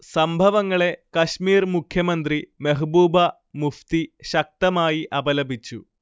സംഭവങ്ങളെ കശ്മീർ മുഖ്യമന്ത്രി മെഹ്ബൂബ മുഫ്തി ശക്തമായി അപലപിച്ചു